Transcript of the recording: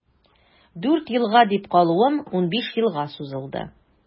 Дүрт елга дип калуым унбиш елга сузылды.